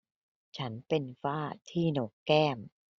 ฉันเป็นฝ้าที่โหนกแก้ม